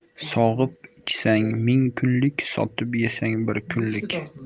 sog'ib ichsang ming kunlik sotib yesang bir kunlik